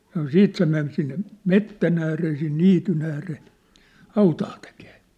sanoi sitten se meni sinne metsän ääreen sinne niityn ääreen hautaa tekemään